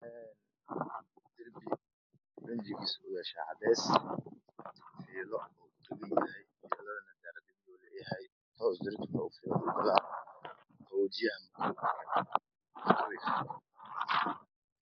Darbi rinjigiisa uu yahay shaah cadays geedo qaboojiye